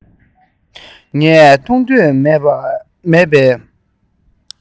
ངའི འཐུང འདོད མེད པའི